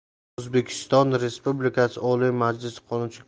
o'zbekiston respublikasi oliy majlisi qonunchilik